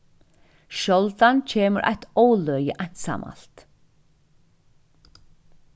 sjáldan kemur eitt óløgi einsamalt